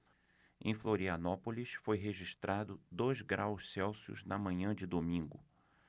em florianópolis foi registrado dois graus celsius na manhã de domingo